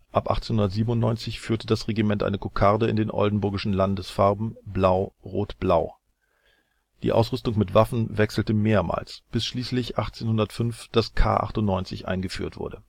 Ab 1897 führte das Regiment eine Kokarde in den oldenburgischen Landesfarben blau-rot-blau. Die Ausrüstung mit Waffen wechselte mehrmals bis schließlich 1905 das K98 eingeführt wurde